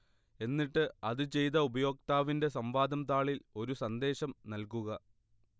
എന്നിട്ട് അത് ചെയ്ത ഉപയോക്താവിന്റെ സംവാദം താളിൽ ഒരു സന്ദേശം നൽകുക